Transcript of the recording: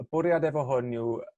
y bwriad efo hwn yw